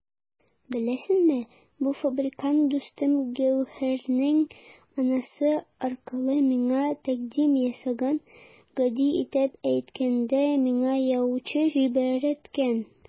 Беләсеңме, бу фабрикант дустым Гәүһәрнең анасы аркылы миңа тәкъдим ясаган, гади итеп әйткәндә, миңа яучы җибәрткән!